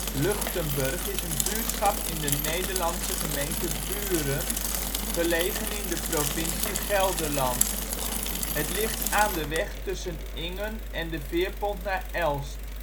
Luchtenburg is een buurtschap in de Nederlandse gemeente Buren, gelegen in de provincie Gelderland. Het ligt aan de weg tussen Ingen en de veerpont naar Elst